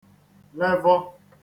levọ